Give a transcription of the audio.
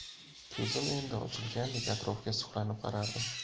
ko'zim endi ochilgandek atrofga suqlanib qarardim